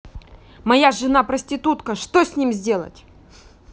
моя жена проститутка что с ним сделать